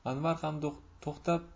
anvar ham to'xtab